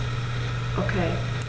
Okay.